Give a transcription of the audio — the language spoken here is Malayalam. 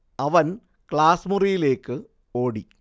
അവൻ ക്ലാസ് മുറിയിലേക്ക് ഓടി